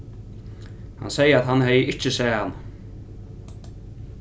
hann segði at hann hevði ikki sæð hana